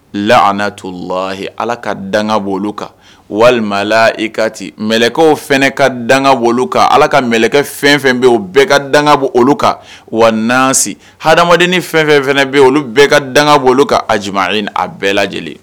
La'a to layi ala ka dan bɔ olu kan walimala i ka ci mkaw fɛn ka dan bɔ kan ala ka mkɛ fɛn fɛn bɛ o bɛɛ ka dan bɔ olu kan wa nasi ha adamadenin fɛn fɛn fɛn bɛ yen olu bɛɛ ka dan bɔ olu ka a j a bɛɛ lajɛlen